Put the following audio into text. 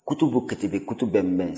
kutubu-ketebe kutubɛnbɛn